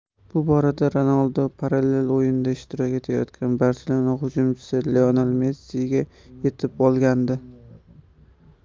bu borada ronaldu parallel o'yinda ishtirok etayotgan barselona hujumchisi lionel messiga yetib olgandi